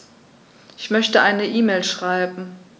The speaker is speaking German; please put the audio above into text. Ich möchte eine E-Mail schreiben.